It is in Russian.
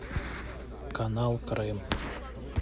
канал крым